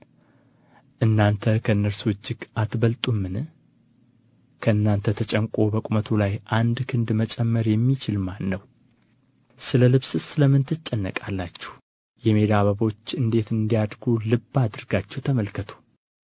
እናንተ ከእነርሱ እጅግ አትበልጡምን ከእናንተ ተጨንቆ በቁመቱ ላይ አንድ ክንድ መጨመር የሚችል ማን ነው ስለ ልብስስ ስለ ምን ትጨነቃላችሁ የሜዳ አበቦች እንዴት እንዲያድጉ ልብ አድርጋችሁ ተመልከቱ